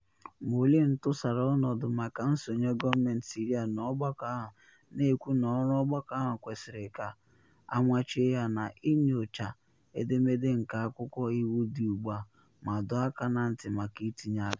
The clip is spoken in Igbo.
Moualem tụsara ọnọdụ maka nsonye gọọmentị Syria n’ọgbakọ ahụ, na ekwu na ọrụ ọgbakọ ahụ kwesịrị ka amachie ya na “inyocha edemede nke akwụkwọ iwu dị ugbu a,” ma dọọ aka na ntị maka itinye aka.